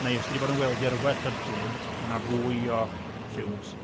Neu os ti 'di bod yn weldio rhywbeth rhydlyd mae yna fwy o fumes.